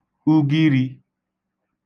ugirī